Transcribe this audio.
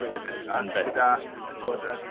...blwyddyn nesa. Yn bendant. Gyda yy t'wod yr